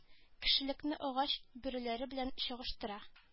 Кешелекне агач бөреләре белән чагыштыра